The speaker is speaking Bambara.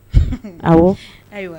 Aw